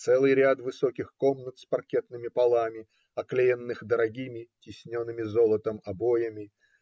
Целый ряд высоких комнат с паркетными полами, оклеенных дорогими, тисненными золотом, обоями